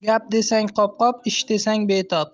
gap desang qop qop ish desang betob